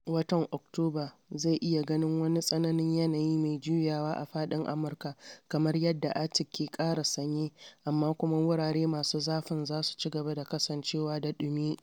Watan Oktoba zai iya ganin wani tsananin yanayi mai juyawa a faɗin Amurka kamar yadda Arctic ke ƙara sanyi, amma kuma wurare masu zafin za su ci gaba da kasancewa da ɗumi.